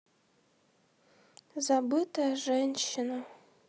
забытая женщина